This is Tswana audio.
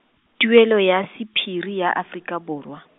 Tirelo ya sephiri ya Aforika Borwa.